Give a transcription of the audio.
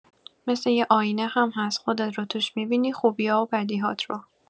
مثل یه آینه هم هست، خودت رو توش می‌بینی، خوبی‌ها و بدی‌هات رو.